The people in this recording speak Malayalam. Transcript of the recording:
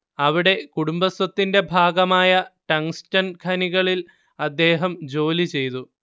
അവിടെ കുടുംബസ്വത്തിന്റെ ഭാഗമായ ടങ്ങ്സ്ടൻ ഖനികളിൽ അദ്ദേഹം ജോലിചെയ്തു